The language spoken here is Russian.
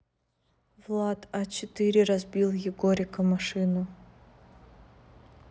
влад а четыре разбил егорика машину